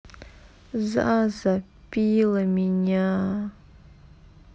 заза пила меня